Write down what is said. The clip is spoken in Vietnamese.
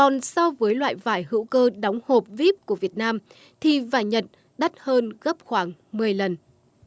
còn so với loại vải hữu cơ đóng hộp vip của việt nam thi và nhận đắt hơn gấp khoảng mười lần